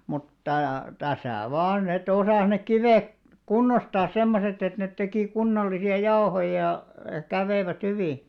mutta tässä vain että osasi ne kivet kunnostaa semmoiset että ne teki kunnollisia jauhoja ja kävivät hyvin